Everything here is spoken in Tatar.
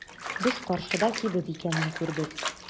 Без каршыда кибет икәнен күрдек.